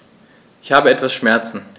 Ich habe etwas Schmerzen.